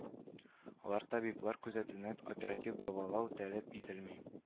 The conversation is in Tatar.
Алар табиблар күзәтүендә оператив дәвалау таләп ителми